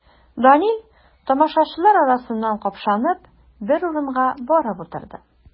Данил, тамашачылар арасыннан капшанып, бер урынга барып утырды.